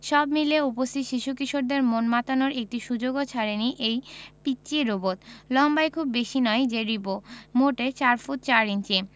সব মিলিয়ে উপস্থিত শিশু কিশোরদের মন মাতানোর একটি সুযোগও ছাড়েনি এই পিচ্চি রোবট লম্বায় খুব বেশি নয় যে রিবো মোটে ৪ ফুট ৪ ইঞ্চি